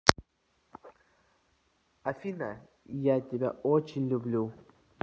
афина я тебя очень люблю